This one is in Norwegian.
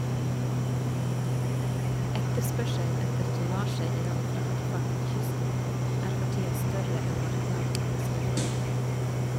Etterspørselen etter tonnasje innan fraktefart på kysten er for tida større enn marknaden kan skaffa.